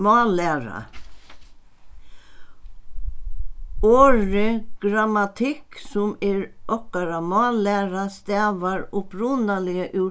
mállæra orðið grammatikk sum er okkara mállæra stavar upprunaliga úr